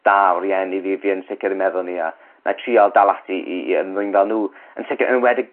do a rieni fi fi yn sicir yn meddwl 'ny a na' i trial dal ati i i ymddwyn fel n'w. Yn sicir yn enwedig